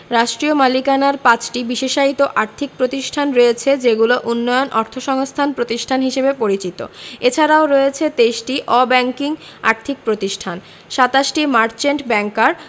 রাষ্ট্রীয় মালিকানার ৫টি বিশেষায়িত আর্থিক প্রতিষ্ঠান রয়েছে যেগুলো উন্নয়ন অর্থসংস্থান প্রতিষ্ঠান হিসেবে পরিচিত এছাড়াও রয়েছে ২৩টি অব্যাংকিং আর্থিক প্রতিষ্ঠান ২৭টি মার্চেন্ট ব্যাংকার